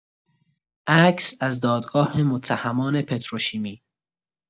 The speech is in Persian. عکس از دادگاه متهمان پتروشیمی